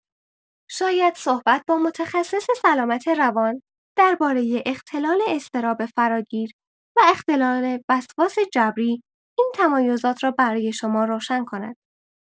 شاید صحبت با متخصص سلامت روان درباره اختلال اضطراب فراگیر و اختلال وسواس جبری این تمایزات را برای شما روشن کند.